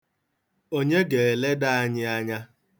Onye ga-eleda anyị anya?